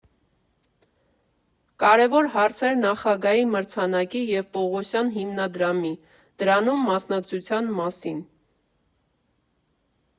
Կարևոր հարցեր նախագահի մրցանակի և Պողոսյան հիմնադրամի՝ դրանում մասնակցության մասին։